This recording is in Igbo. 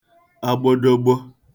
agbodogbo